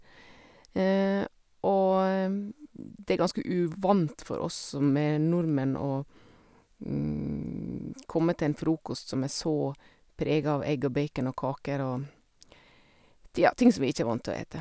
Og det er ganske uvant for oss som er nordmenn, å komme til en frokost som er så prega av egg og bacon og kaker og, tja, ting som vi ikke er vant til å ete.